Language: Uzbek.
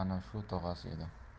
mana shu tog'asi edi